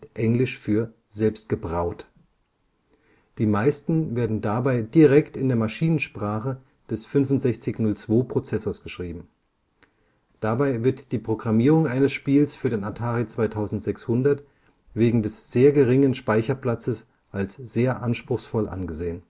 engl. für selbstgebraut). Die meisten werden dabei direkt in der Maschinensprache des 6502-Prozessors geschrieben. Dabei wird die Programmierung eines Spiels für den Atari 2600 wegen des sehr geringen Speicherplatzes als sehr anspruchsvoll angesehen